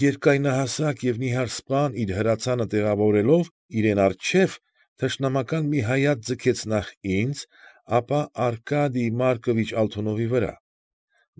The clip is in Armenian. Երկայնահասակ և նիհար սպան, իր հրացանը տեղավորելով իրեն առջև, թշնամական մի հայացք նետեց նախ ինձ, ապա Արկադիյ Մարկովիչ Ալթունովի վրա։